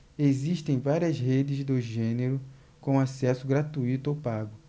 existem várias redes do gênero com acesso gratuito ou pago